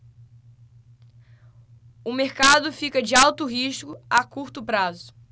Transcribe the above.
o mercado fica de alto risco a curto prazo